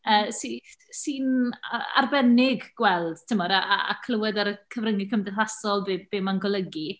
Yy sy sy'n a- arbennig gweld, timod. A a a clywed ar y cyfryngau cymdeithasol be be mae'n golygu.